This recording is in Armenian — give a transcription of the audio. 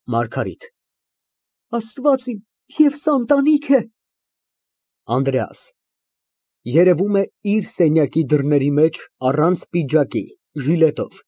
ՄԱՐԳԱՐԻՏ ֊ Աստված իմ, և սա ընտանիք է… ԱՆԴՐԵԱՍ ֊ (Երևում է իր սենյակի դռների մեջ՝ առանց պիջակի, ժիլետով)։